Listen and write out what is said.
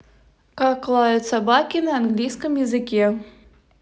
как лают собаки на английском языке